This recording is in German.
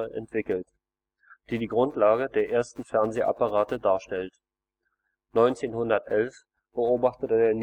entwickelt, die die Grundlage der ersten Fernsehapparate darstellt. 1911 beobachtete